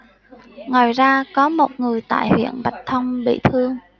ngoài ra có một người tại huyện bạch thông bị thương